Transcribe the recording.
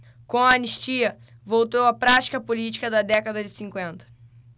com a anistia voltou a prática política da década de cinquenta